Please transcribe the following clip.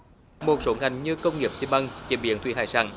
một số ngành như công nghiệp xi măng chế biến thủy hải sản